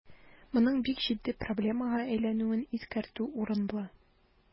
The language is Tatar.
Моның бик җитди проблемага әйләнүен искәртү урынлы.